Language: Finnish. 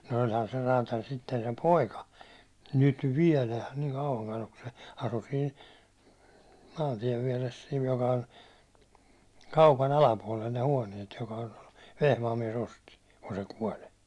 no olihan se räätäli sitten sen poika nyt vielä niin kauankaan ole kun se asui siinä maantien vieressä siinä joka on kaupan alapuolella ne huoneet joka on Vehmaan mies osti kun se kuoli